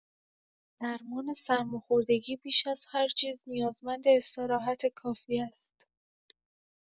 درمان سرماخوردگی بیش از هر چیز نیازمند استراحت کافی است.